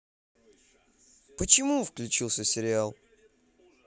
почему выключился сериал